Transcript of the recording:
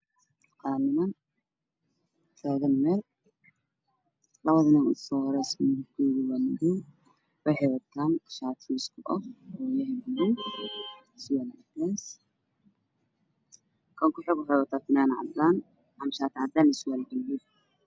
Meeshaas waxa marayo wiilal shaati caddan isku eg wato io surwaal guduud ah